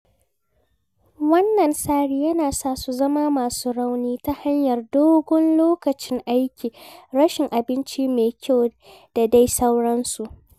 Wannan tsari yana sa su zama masu rauni ta hanyar dogon lokacin aiki, rashin abinci me kyau, da dai sauransu.